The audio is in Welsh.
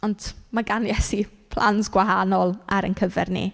Ond ma' gan Iesu plans gwahanol ar ein cyfer ni.